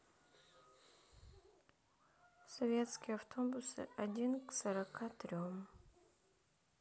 советские автобусы один к сорока трем